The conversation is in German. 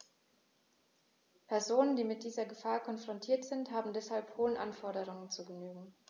Personen, die mit dieser Gefahr konfrontiert sind, haben deshalb hohen Anforderungen zu genügen.